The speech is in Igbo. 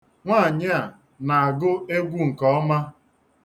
Nwaanyị a na-agụ egwu nke ọma.